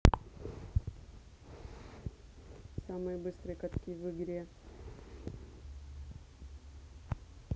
самые быстрые катки в игре